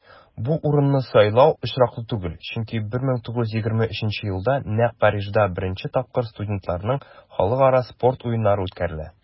Бу урынны сайлау очраклы түгел, чөнки 1923 елда нәкъ Парижда беренче тапкыр студентларның Халыкара спорт уеннары үткәрелә.